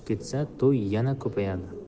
ketsa to'y yana kupayadi